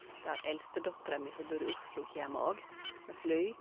Der eldstedattera mi, som bor i Oslo, kjeme òg, med fly.